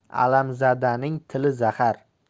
alamzadaning tili zahar